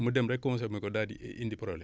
mu dem rekk consommé ko daal di indi problème